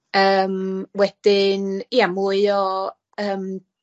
Yym wedyn, ia mwy o yym